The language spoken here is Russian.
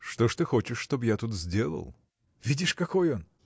– Что ж ты хочешь, чтоб я тут сделал? видишь, какой он!